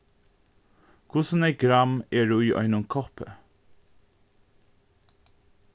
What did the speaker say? hvussu nógv gramm eru í einum koppi